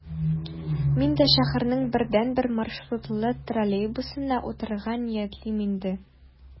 Мин дә шәһәрнең бердәнбер маршрутлы троллейбусына утырырга ниятлим инде...